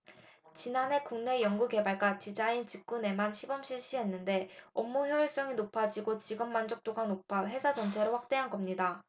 지난해 국내 연구개발과 디자인 직군에만 시범 실시했는데 업무 효율성이 높아지고 직원 만족도가 높아 회사 전체로 확대한 겁니다